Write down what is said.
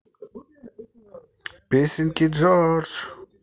песенки джордж